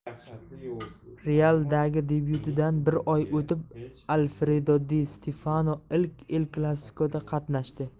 real dagi debyutidan bir oy o'tib alfredo di stefano ilk el klasiko da qatnashdi